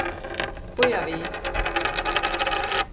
bíða við